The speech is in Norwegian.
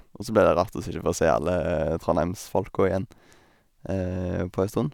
Og så blir det rart å så ikke få se alle Trondheims-folka igjen på ei stund.